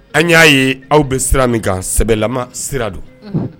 An y'a ye aw bɛ sira min kan sɛbɛlamaa sira don, unhun.